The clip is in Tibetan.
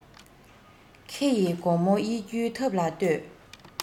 ཁེ ཡི སྒོ མོ དབྱེ རྒྱུའི ཐབས ལ ལྟོས